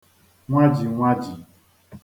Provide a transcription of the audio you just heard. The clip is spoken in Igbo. nwaji nwaji